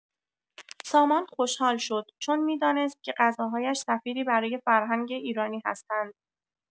سامان خوشحال شد، چون می‌دانست که غذاهایش سفیری برای فرهنگ ایرانی هستند.